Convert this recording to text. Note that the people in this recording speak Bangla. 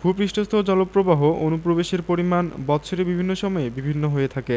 ভূ পৃষ্ঠস্থ জলপ্রবাহ অনুপ্রবেশের পরিমাণ বৎসরের বিভিন্ন সময়ে বিভিন্ন হয়ে থাকে